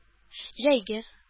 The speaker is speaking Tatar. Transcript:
Җәйге